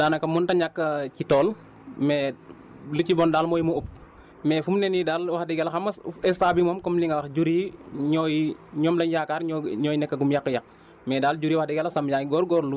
waaw yàqu-yàqu moom daanaka mënut a ñàkk ci tool mais li ci bon daal mooy mu ëpp mais fu mu ne nii daal wax dëgg yàlla xam nga instant bii moom comme li nga wax jur yi ñooy ñoom lañ yaakaar ñooy nekkagum yàq-yàq